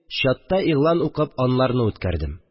Чатта игълан укып аларны үткәрдем